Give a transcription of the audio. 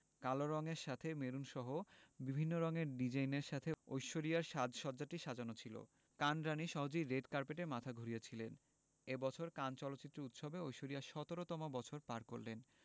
কালো রঙের সাথে মেরুনসহ বিভিন্ন রঙের ডিজাইনের সাথে ঐশ্বরিয়ার সাজ সজ্জাটি সাজানো ছিল কান রাণী সহজেই রেড কার্পেটে মাথা ঘুরিয়েছিলেন এ বছর কান চলচ্চিত্র উৎসবে ঐশ্বরিয়া ১৭তম বছর পালন করলেন